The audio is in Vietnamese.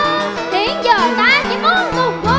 chỉ muốn cùng